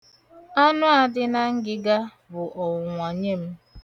Anụ a dị na ngịga bụ ọnwụnwa nye m.